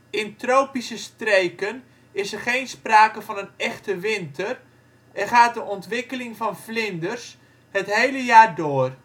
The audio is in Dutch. In tropische streken is er geen sprake van een echte winter en gaat de ontwikkeling van vlinders het hele jaar door